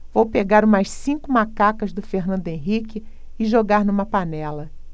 vou pegar umas cinco macacas do fernando henrique e jogar numa panela